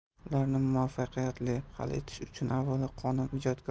ularni muvaffaqiyatli hal etish uchun avvalo qonun